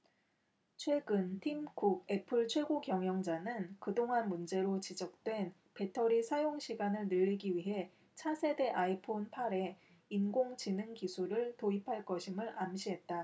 최근 팀쿡 애플 최고경영자는 그동안 문제로 지적된 배터리 사용시간을 늘리기 위해 차세대 아이폰 팔 에 인공지능기술을 도입할 것임을 암시했다